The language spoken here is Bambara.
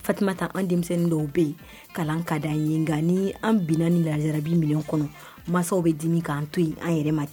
Fatumama taa an denmisɛnnin dɔw bɛ yen kalan ka di an ɲini nka ni an bi ni lasarabi minɛ kɔnɔ mansaw bɛ dimi k'an to yen an yɛrɛ ma ten